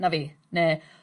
na fi ne'...